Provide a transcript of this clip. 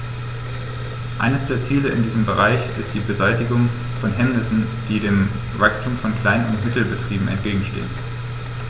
Eines der Ziele in diesem Bereich ist die Beseitigung von Hemmnissen, die dem Wachstum von Klein- und Mittelbetrieben entgegenstehen.